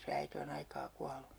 se äiti on aikaa kuollut